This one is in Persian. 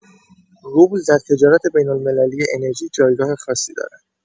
روبل در تجارت بین‌المللی انرژی جایگاه خاصی دارد.